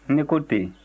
ne ko ten